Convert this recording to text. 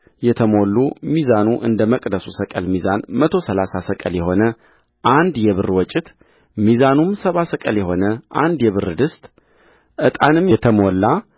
የተሞሉ ሚዛኑ እንደ መቅደሱ ሰቅል ሚዛን መቶ ሠላሳ ሰቅል የሆነ አንድ የብር ወጭት ሚዛኑም ሰባ ሰቅል የሆነ አንድ የብር ድስትዕጣንም የተሞላ